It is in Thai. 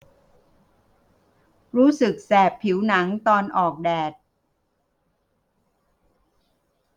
รู้สึกแสบผิวหนังตอนออกแดด